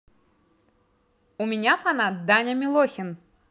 у меня фанат даня милохин